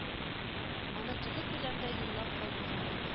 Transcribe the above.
Аны тулы күләмендә юллап алу гаять